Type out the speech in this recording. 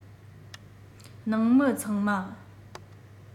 ནང མི ཚང མ